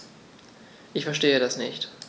Ich verstehe das nicht.